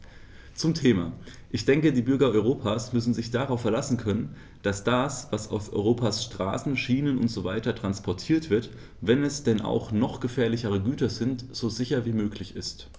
Zum Thema: Ich denke, die Bürger Europas müssen sich darauf verlassen können, dass das, was auf Europas Straßen, Schienen usw. transportiert wird, wenn es denn auch noch gefährliche Güter sind, so sicher wie möglich ist.